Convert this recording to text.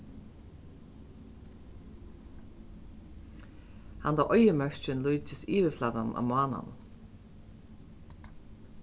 handa oyðimørkin líkist yvirflatanum á mánanum